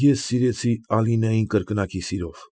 Ես սիրեցի Ալինային կրկնակի սիրով։